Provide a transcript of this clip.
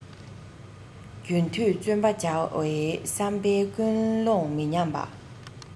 རྒྱུན མཐུད བརྩོན པ བྱ བའི བསམ པའི ཀུན སློང མི ཉམས པ